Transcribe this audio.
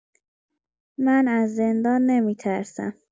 من از زندان نمی‌ترسم!